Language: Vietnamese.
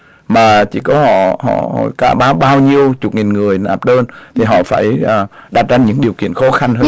mà chỉ có họ họ cả báo bao nhiêu chục nghìn người nộp đơn để họ phải đặt ra những điều kiện khó khăn